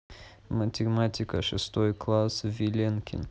математика шестой класс виленкин